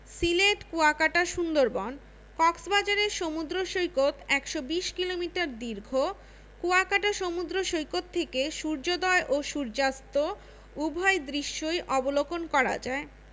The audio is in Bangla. সিলেট কুয়াকাটা সুন্দরবন কক্সবাজারের সমুদ্র সৈকত ১২০ কিলোমিটার দীর্ঘ কুয়াকাটা সমুদ্র সৈকত থেকে সূর্যোদয় ও সূর্যাস্ত উভয় দৃশ্যই অবলোকন করা যায়